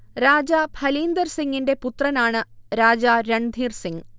രാജാ ഭലീന്ദർ സിങ്ങിന്റെ പുത്രനാണ് രാജാ രൺധീർ സിങ്